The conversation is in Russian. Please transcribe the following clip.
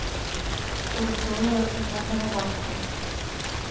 курс доллара центрального банка